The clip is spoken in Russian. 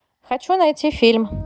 хочу найти фильм